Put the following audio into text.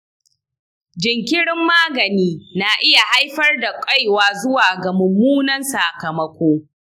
jinkirin magani na iya haifar da kaiwa zuwa ga mummunan sakamako.